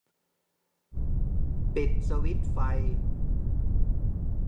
ปิดสวิตช์ไฟ